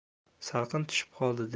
salqin tushib qoldi